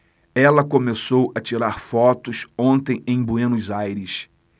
ela começou a tirar fotos ontem em buenos aires